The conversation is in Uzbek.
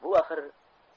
bu axir